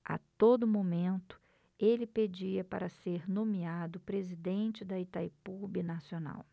a todo momento ele pedia para ser nomeado presidente de itaipu binacional